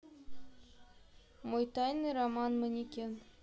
мой тайный роман манекен